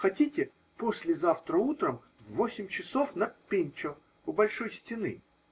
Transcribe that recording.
Хотите, послезавтра утром, в восемь часов, на Пинчо , у большой стены?